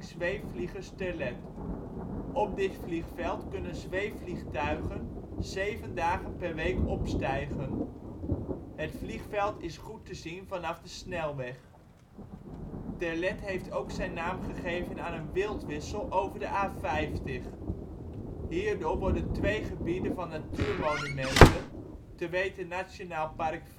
Zweefvliegers Terlet. Op dit vliegveld kunnen zweefvliegtuigen 7 dagen per week opstijgen. Het vliegveld is goed te zien vanaf de snelweg. Terlet heeft ook zijn naam gegeven aan een wildwissel over de A50. Hierdoor worden twee gebieden van Natuurmonumenten, te weten Nationaal park